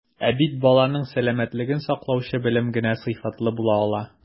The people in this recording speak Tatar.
Ә бит баланың сәламәтлеген саклаучы белем генә сыйфатлы була ала.